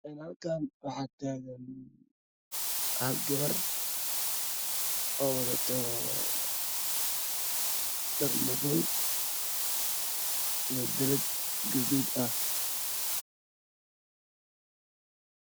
Halkaan waxay taagan gabar wadato dhar madow iyo dallad guduud ah